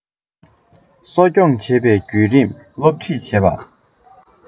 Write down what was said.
གསོ སྐྱོང བྱེད པའི བརྒྱུད རིམ སློབ ཁྲིད བྱེད པ